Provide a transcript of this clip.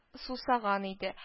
Сусаган иде